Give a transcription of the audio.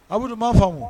Adu b'a faamumu